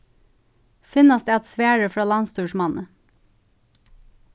finnast at svari frá landsstýrismanni